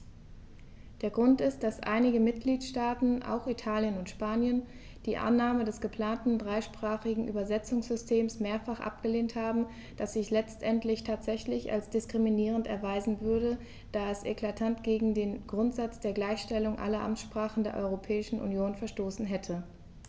Der Grund ist, dass einige Mitgliedstaaten - auch Italien und Spanien - die Annahme des geplanten dreisprachigen Übersetzungssystems mehrfach abgelehnt haben, das sich letztendlich tatsächlich als diskriminierend erweisen würde, da es eklatant gegen den Grundsatz der Gleichstellung aller Amtssprachen der Europäischen Union verstoßen hätte.